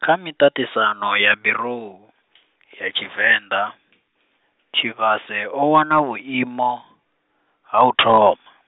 kha miṱaṱisano ya birou, ya Tshivenḓa, Tshivhase o wana vhuimo, ha uthoma.